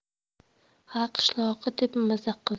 ha qishloqi deb mazax qildi